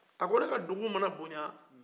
a ko ne ka dugu mana bonya